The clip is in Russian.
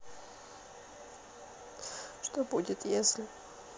что будет если